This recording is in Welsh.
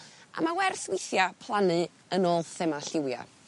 A ma' werth weithia' plannu yn ôl thema lliwia.